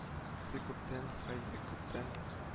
Бик күптән, һай, бик күптән